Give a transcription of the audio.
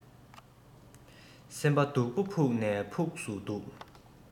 སེམས པ སྡུག པ ཕུགས ནས ཕུགས སུ སྡུག